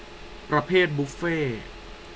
ประเภทบุฟเฟ่ต์